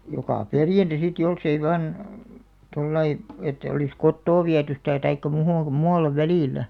joka perjantai sitten jos ei vain tuolla lailla että olisi kotoa viety sitä tai muuhun muualle välillä